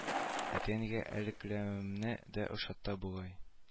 Әти-әнигә әләкләмәвемне дә ошатты бугай